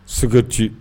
Sɛgɛti